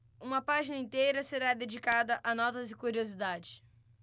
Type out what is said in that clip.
uma página inteira será dedicada a notas e curiosidades